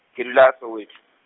ke dula Soweto.